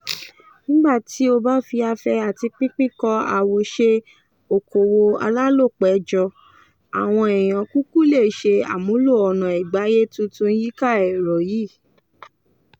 Nígbà tí ó bá fi afẹ́ àti pínpín kọ́ àwòṣe òkòwò alálòpẹ́ jọ, àwọn èèyàn kúkú lè ṣe àmúlò ọ̀nà ìgbáyé tuntun yíká èrò yìí.